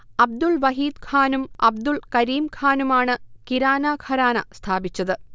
അബ്ദുൽ വഹീദ്ഖാനും അബ്ദുൽ കരീംഖാനുമാണ് കിരാന ഘരാന സ്ഥാപിച്ചത്